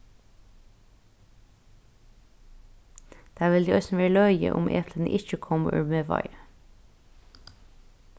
tað vildi eisini verið løgið um eplini ikki komu úr miðvági